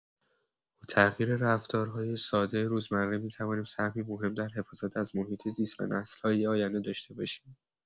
با تغییر رفتارهای ساده روزمره می‌توانیم سهمی مهم در حفاظت از محیط‌زیست و نسل‌های آینده داشته باشیم.